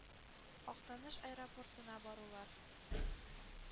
Актаныш аэропортына барулар,